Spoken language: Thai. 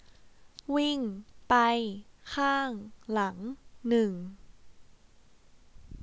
วิ่งไปข้างหลังหนึ่ง